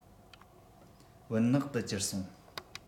བུན ནག ཏུ གྱུར སོང